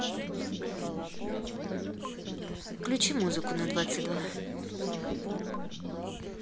включи музыку двадцать двадцать